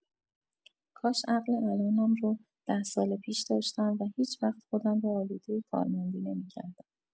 کاش عقل الانم رو ده سال پیش داشتم و هیچوقت خودم رو آلوده کارمندی نمی‌کردم.